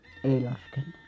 ei laskenut